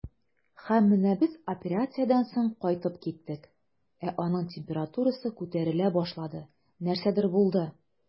Һәм менә без операциядән соң кайтып киттек, ә аның температурасы күтәрелә башлады, нәрсәдер булды.